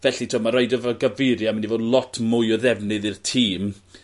Felly t'wo' reidiwr fel Gaveria yn mynd i fod lot mwy o ddefnydd i'r tîm